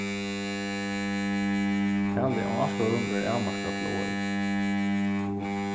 talið á áskoðarum verður avmarkað til ol